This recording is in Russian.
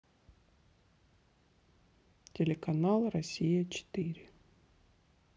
телеканал россия четыре